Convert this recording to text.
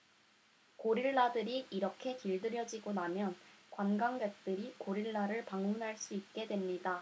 고릴라들이 이렇게 길들여지고 나면 관광객들이 고릴라를 방문할 수 있게 됩니다